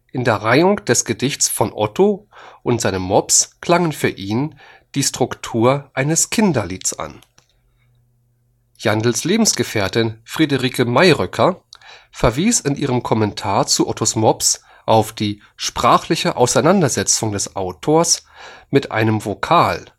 In der Reihung des Gedichts von Otto und seinem Mops klang für ihn die Struktur eines Kinderlieds an. Jandls Lebensgefährtin Friederike Mayröcker verwies in ihrem Kommentar zu ottos mops auf „ die sprachliche Auseinandersetzung des Autors mit einem Vokal